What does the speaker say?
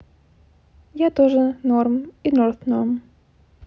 я тоже норм и north норм